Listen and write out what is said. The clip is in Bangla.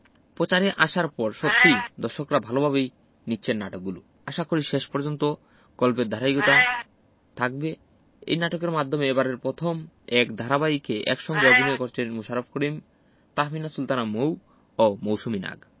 পচারে আসার পর সত্যিই দর্শকরা ভালোভাবে নিচ্ছেন নাটকগুলো আশাকরি শেষ পর্যন্ত গল্পের ধারাবাহিকতা থাকবে এ নাটকের মাধ্যমেই এবারের্ পথম এক ধারাবাহিকে একসঙ্গে অভিনয় করছেন মোশাররফ করিম তাহমিনা সুলতানা মৌ ও মৌসুমী নাগ